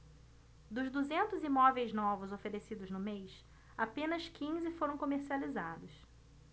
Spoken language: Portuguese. dos duzentos imóveis novos oferecidos no mês apenas quinze foram comercializados